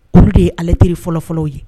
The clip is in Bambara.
K de ye ale teri fɔlɔfɔlɔw ye